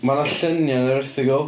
Ma' 'na lluniau yn yr erthygl.